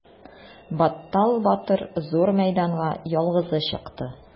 Баттал батыр зур мәйданга ялгызы чыкты.